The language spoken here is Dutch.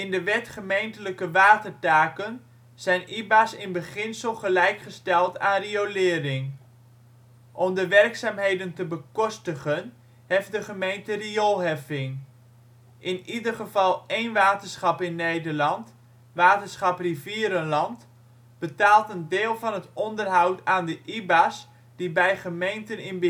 de Wet gemeentelijke watertaken zijn IBA 's in beginsel gelijkgesteld aan riolering. Om de werkzaamheden te bekostigen, heft de gemeente rioolheffing. In ieder geval één waterschap in Nederland (waterschap Rivierenland) betaalt een deel van het onderhoud aan de IBA 's die bij gemeenten in